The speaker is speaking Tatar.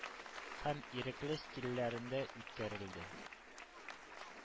Һәм ирекле стильләрендә үткәрелде,